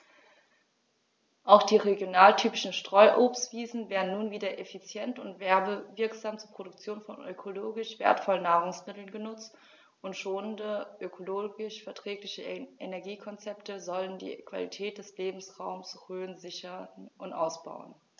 Auch die regionaltypischen Streuobstwiesen werden nun wieder effizient und werbewirksam zur Produktion von ökologisch wertvollen Nahrungsmitteln genutzt, und schonende, ökologisch verträgliche Energiekonzepte sollen die Qualität des Lebensraumes Rhön sichern und ausbauen.